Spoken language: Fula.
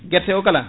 guerte o kala